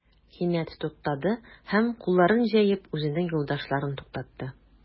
Кинәт туктады һәм, кулларын җәеп, үзенең юлдашларын туктатты.